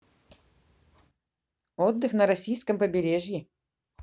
отдых на российском побережье